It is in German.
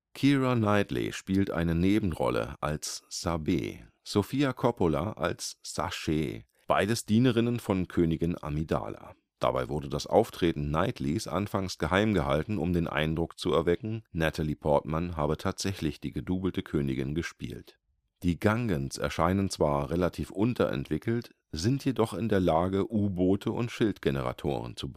Knightley spielt eine Nebenrolle als Sabé, Sofia Coppola als Saché, beides Dienerinnen von Königin Amidala. Dabei wurde das Auftreten Knightleys anfangs geheim gehalten, um den Eindruck zu erwecken, Natalie Portman habe tatsächlich die gedoubelte Königin gespielt. Die Gungans erscheinen zwar relativ unterentwickelt, sind jedoch in der Lage, U-Boote und Schildgeneratoren zu